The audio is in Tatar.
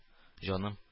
Җаным